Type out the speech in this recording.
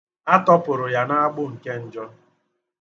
A tọpụrụ ya n'agbụ nke njọ.